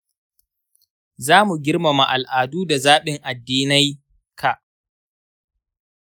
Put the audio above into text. zamu girmama al'adu da zabin addinai ka.